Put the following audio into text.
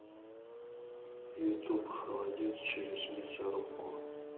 ютуб холодец через мясорубку